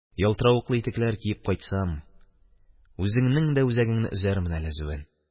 Ялтыравыклы итекләр киеп кайтсам, үзеңнең дә үзәгеңне өзәрмен әле өзүен